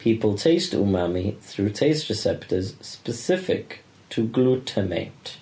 People taste umami through taste receptors specific to glutamate.